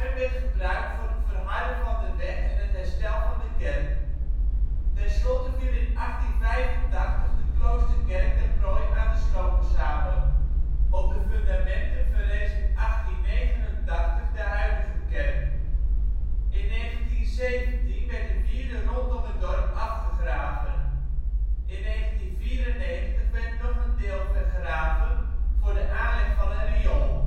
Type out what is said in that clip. werd gebruikt voor het verharden van de weg en het herstel van de kerk. Tenslotte viel in 1885 de kloosterkerk ten prooi aan de slopershamer. Op de fundamenten verrees in 1889 de huidige kerk. In 1917 werd de wierde rondom het dorp afgegraven. In 1994 werd nog een deel vergraven voor de aanleg van een riool